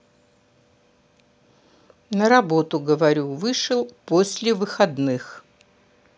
на работу говорю вышел после выходных